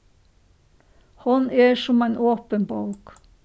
hon er sum ein opin bók